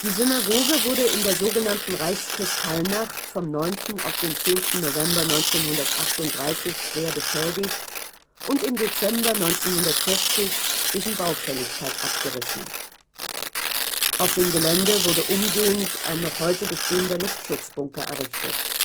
Synagoge wurde in der sogenannten „ Reichskristallnacht “vom 9. auf den 10. November 1938 schwer beschädigt und im Dezember 1940 wegen Baufälligkeit abgerissen. Auf dem Gelände wurde umgehend ein noch heute bestehender Luftschutzbunker errichtet